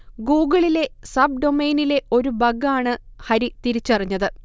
ഗൂഗിളിലെ സബ് ഡൊമൈനിലെ ഒരു ബഗ് ആണ് ഹരി തിരിച്ചറിഞ്ഞത്